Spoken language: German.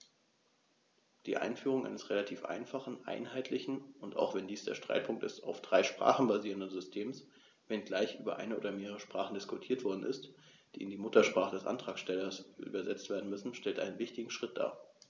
Die Einführung eines relativ einfachen, einheitlichen und - auch wenn dies der Streitpunkt ist - auf drei Sprachen basierenden Systems, wenngleich über eine oder mehrere Sprachen diskutiert worden ist, die in die Muttersprache des Antragstellers übersetzt werden würden, stellt einen wichtigen Schritt dar.